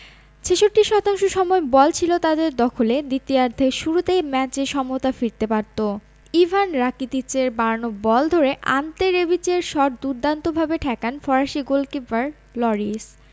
৬৬ শতাংশ সময় বল ছিল তাদের দখলে দ্বিতীয়ার্ধের শুরুতেই ম্যাচে সমতা ফিরতে পারত ইভান রাকিতিচের বাড়ানো বল ধরে আন্তে রেবিচের শট দুর্দান্তভাবে ঠেকান ফরাসি গোলকিপার লরিস